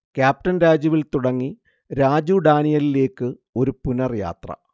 captain രാജുവിൽ തുടങ്ങി രാജു ഡാനിയേലിലേക്ക് ഒരു പുനർയാത്ര